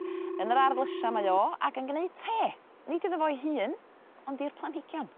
Yn yr ardd lysia mae o ac yn gneud te nid iddo fo 'i hun ond i'r planhigion.